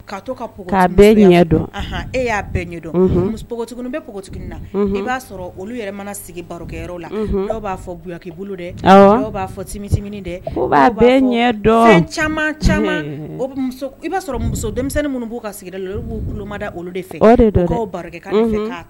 Ea bɛ na i b'a sɔrɔ olu yɛrɛ mana sigi barokɛ la b'a fɔyaki bolo dɛ b'a fɔ ti dɛ b'a ɲɛ caman caman i b'a sɔrɔ muso denmisɛnnin minnu b' sigida la b'umada olu de fɛ baro